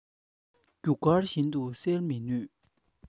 རྒྱུ སྐར བཞིན དུ གསལ མི ནུས